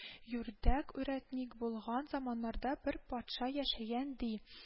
Юрдәк үрәтник булган заманнарда бер патша яшәгән, ди